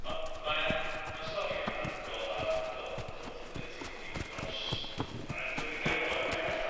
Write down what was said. Ma' ma'n ma'n stori anhygoel a fel fel ti'n deud ti'n neidio dros ma' na gadal cymaint allan.